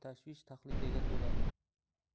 tashvish tahlikaga to'la